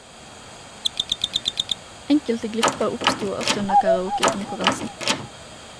Enkelte glipper oppstod også under karaoke-konkurransen.